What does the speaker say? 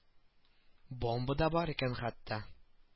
Бомба да бар икән хәтта